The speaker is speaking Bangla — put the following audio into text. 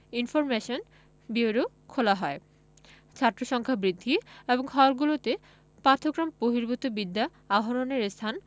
ইনফরমেশান বিউরো খোলা হয় ছাত্রসংখ্যা বৃদ্ধি এবং হলগুলিতে পাঠক্রম বহির্ভূত বিদ্যা আহরণের স্থান